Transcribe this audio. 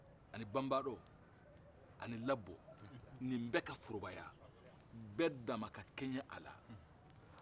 ani banbaadɔ ani labɔ nin bɛɛ ka forobaya bɛɛ damana ka kɛɲɛ a la